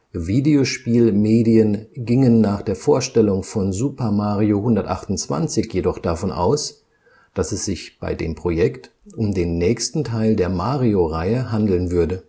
Videospiel-Medien gingen nach der Vorstellung von Super Mario 128 jedoch davon aus, dass es sich bei dem Projekt um den nächsten Teil der Mario-Reihe handeln würde